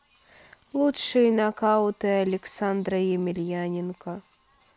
лучшие нокауты александра емельяненко